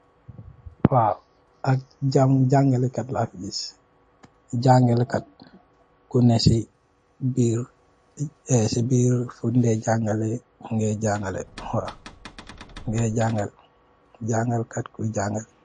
Ap jangaleh Kai la fi ngis, ku neh si biir fungdeh jangaleh, mugeh jangaleh, mugeh jangaleh , Jangaleh kaat bui jangaleh.